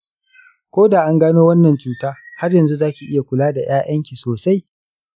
ko da an gano wannan cuta, har yanzu za ki iya kula da ‘ya’yanki sosai.